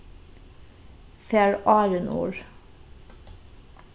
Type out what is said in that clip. far áðrenn orð